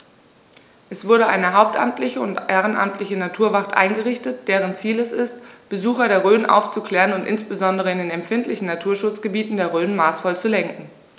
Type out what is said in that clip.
Es wurde eine hauptamtliche und ehrenamtliche Naturwacht eingerichtet, deren Ziel es ist, Besucher der Rhön aufzuklären und insbesondere in den empfindlichen Naturschutzgebieten der Rhön maßvoll zu lenken.